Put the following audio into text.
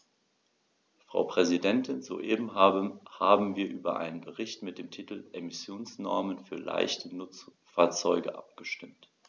Frau Präsidentin, soeben haben wir über einen Bericht mit dem Titel "Emissionsnormen für leichte Nutzfahrzeuge" abgestimmt.